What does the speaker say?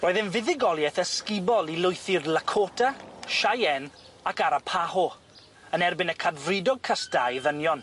Roedd e'n fuddugolieth ysgubol i lwythi'r Lakota, Cheyenne, ac Arapaho yn erbyn y Cadfridog Custa a'i ddynion.